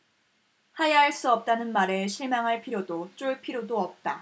하야할 수 없다는 말에 실망할 필요도 쫄 필요도 없다